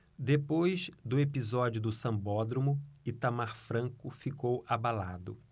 depois do episódio do sambódromo itamar franco ficou abalado